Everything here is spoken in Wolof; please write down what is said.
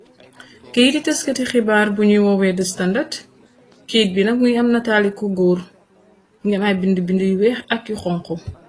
Keyiti taskati xibaar buñuy wowee di standat, keyit bi nak mungi nataali ko góor mungi am ay bind, yu weex ak yu xonxo.